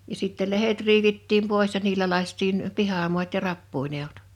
ja sitten lehdet riivittiin pois ja niillä lakaistiin pihamaat ja rappujen edut